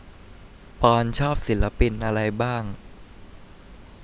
ปอนด์ชอบศิลปินอะไรบ้าง